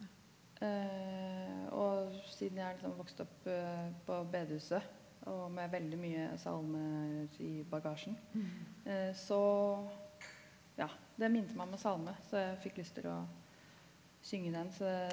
og siden jeg liksom vokst opp på bedehuset og med veldig mye salmer i bagasjen så ja det minte meg om en salme så jeg fikk lyst til å synge den så .